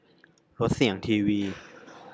ลดเสียงทีวี